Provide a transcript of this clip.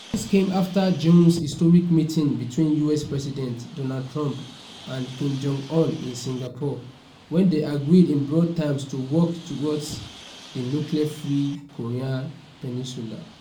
This came after June's historic meeting between US President Donald Trump and Kim Jong-un in Singapore, when they agreed in broad terms to work towards the nuclear-free Korean peninsula.